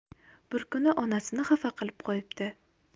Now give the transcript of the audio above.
bir kuni onasini xafa qilib qo'yibdi